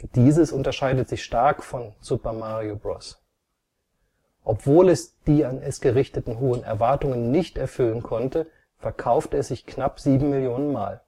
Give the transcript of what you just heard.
1988). Dieses unterscheidet sich stark von Super Mario Bros. Obwohl es die an es gerichteten hohen Erwartungen nicht erfüllen konnte, verkaufte es sich knapp sieben Millionen Mal